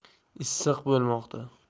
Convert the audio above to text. issiq bo'lmoqda